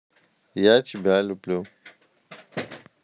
я тебя люблю тебя